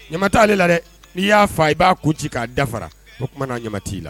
Ɲama t'ale la dɛ! n'i y'a faa i b'a kun ci k'a dafara, o tuma na ɲama t'i la.